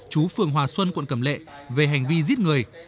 trú phường hòa xuân quận cẩm lệ về hành vi giết người